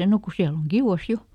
no kun siellä on kiuas jo